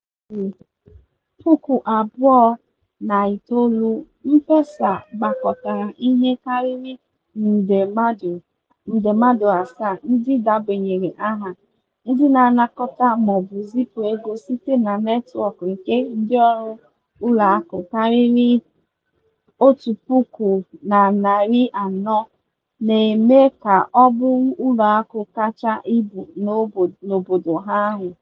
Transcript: Na Julaị 2009 M-Pesa gbakọtara ihe karịrị nde mmadụ asaa ndị debanyere aha, ndị na-anakọta maọbụ zipụ ego site na netwọk nke ndịọrụ ụlọakụ karịrị 1400, na-eme ka ọ bụrụ ụlọakụ kacha ibu n'obodo ahụ.